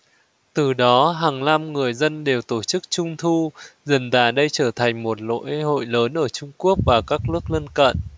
từ đó hằng năm người dân đều tổ chức trung thu dần đà đây trở thành một một lễ hội lớn ở trung quốc và các nước lân cận